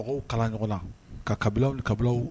Ka mɔgɔw kala ɲɔgɔn na, ka kabilaw ni kabilaw